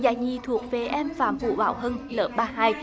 giải nhì thuộc về em phạm vũ bảo hưng lớp ba hai